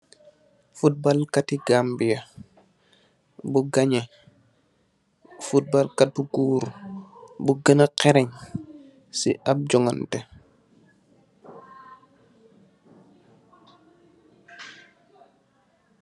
Football katu Gambia, bu ganyeh, football kat bu goor, bu geuneuh kharanye, si ab jonganteh.